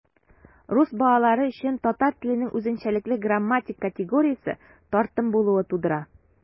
Рус балалары өчен татар теленең үзенчәлекле грамматик категориясе - тартым булуы тудыра.